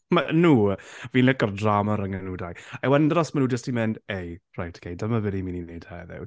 Maen nhw- fi'n licio'r drama rhwng y nhw dau. I wonder os maen nhw jyst wedi mynd hei reit ok dyma be ni'n mynd i wneud heddiw.